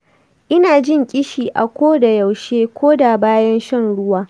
ina jin ƙishi a ko da yaushe koda bayan shan ruwa.